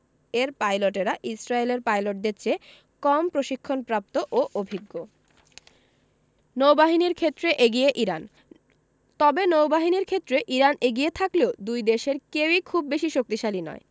এর পাইলটেরা ইসরায়েলের পাইলটদের চেয়ে কম প্রশিক্ষণপ্রাপ্ত ও অভিজ্ঞ নৌবাহিনীর ক্ষেত্রে এগিয়ে ইরান তবে নৌবাহিনীর ক্ষেত্রে ইরান এগিয়ে থাকলেও দুই দেশের কেউই খুব বেশি শক্তিশালী নয়